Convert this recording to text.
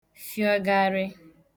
fị̀ọgarị